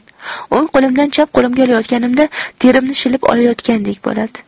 o'ng qo'limdan chap qo'limga olayotganimda terimni shilib olayotgandek bo'ladi